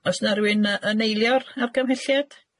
O's 'na rywun yy yn eilio'r argymhelliad?